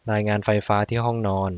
รายงานไฟฟ้าที่ห้องนอน